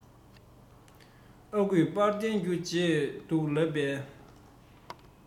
ཨ ཁུས པར བཏོན རྒྱུ བརྗེད འདུག ལབ པས